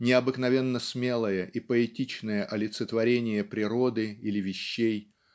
необыкновенно смелое и поэтичное олицетворение природы или вещей